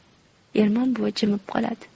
ermon buva jimib qoladi